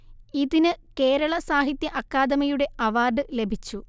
ഇതിന് കേരള സാഹിത്യ അക്കാദമിയുടെ അവാർഡ് ലഭിച്ചു